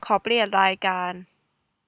ขอเปลี่ยนรายการ